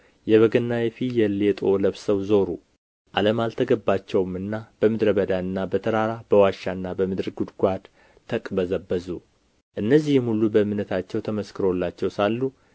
የበግና የፍየል ሌጦ ለብሰው ዞሩ ዓለም አልተገባቸውምና በምድረ በዳና በተራራ በዋሻና በምድር ጕድጓድ ተቅበዘበዙ እነዚህም ሁሉ በእምነታቸው ተመስክሮላቸው ሳሉ